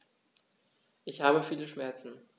Ich habe viele Schmerzen.